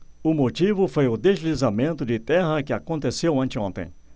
o motivo foi o deslizamento de terra que aconteceu anteontem